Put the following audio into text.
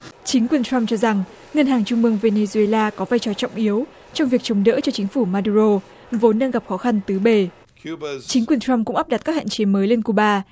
chính quyền trăm cho rằng ngân hàng trung ương vê nê duê la có vai trò trọng yếu trong việc chống đỡ cho chính phủ ma đu rô vốn đang gặp khó khăn tứ bề chính quyền trăm cũng áp đặt các hạn chế mới lên cu ba